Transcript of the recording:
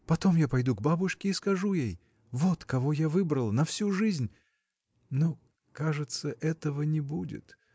— Потом я пойду к бабушке и скажу ей: вот кого я выбрала. на всю жизнь. Но. кажется. этого не будет.